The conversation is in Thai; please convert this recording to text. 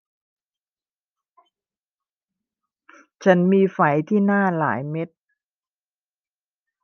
ฉันมีไฝที่หน้าหลายเม็ด